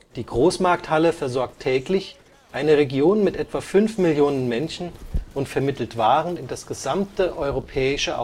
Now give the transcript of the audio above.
Die Großmarkthalle versorgt täglich eine Region mit etwa fünf Millionen Menschen und vermittelt Waren in das gesamte europäische